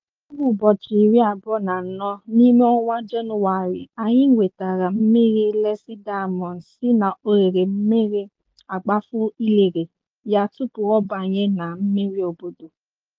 Na mkpụrụụbọchị iri abụọ na anọ n'ime ọnwa Jenụwarị, anyị wetara mmiri Letseng Diamonds si na oghere mmiri agbafu ilele ya tupu ọ banye na mmiri obodo.